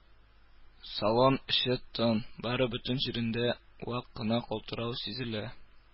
Салон эче тын, бары бөтен җирендә вак кына калтырау сизелә